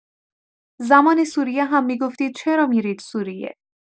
زمان سوریه هم می‌گفتید چرا می‌رید سوریه؟